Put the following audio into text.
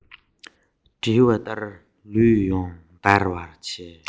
འགྲིལ བ ལྟར ལུས ཡོངས འདར བར བྱས